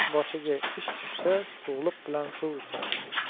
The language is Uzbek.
ot boshiga ish tushsa suvliq bilan suv ichar